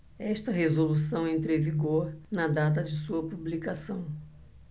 esta resolução entra em vigor na data de sua publicação